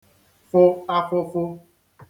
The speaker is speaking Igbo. fụ āfụ̄fụ̄